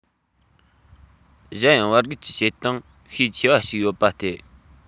གཞན ཡང བར བརྒལ གྱི བྱེད སྟངས ཤས ཆེ བ ཞིག ཡོད པ སྟེ